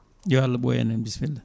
yo Allah ɓoyannen bisimilla